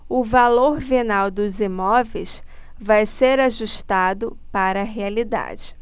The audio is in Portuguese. o valor venal dos imóveis vai ser ajustado para a realidade